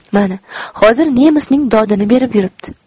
mana hozir nemisning dodini berib yuribdi